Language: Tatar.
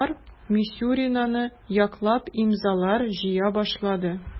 Табиблар Мисюринаны яклап имзалар җыя башлады.